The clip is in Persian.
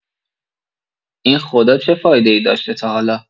این خدا چه فایده‌ای داشته تا حالا؟